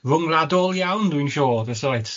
rhwngwladol iawn dwi'n siŵr, that's right.